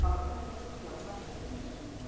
oxiri shu xulosaga keldimki